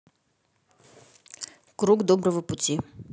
круг доброго пути